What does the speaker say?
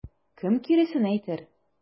Кем киресен әйтер?